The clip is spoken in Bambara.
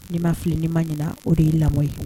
N nii ma fili ni ma ɲin o de ye lamɔ ye